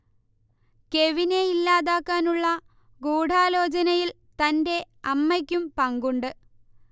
കെവിനെ ഇല്ലാതാക്കാനുള്ള ഗൂഢാലോചനയിൽ തന്റെ അമ്മയ്ക്കും പങ്കുണ്ട്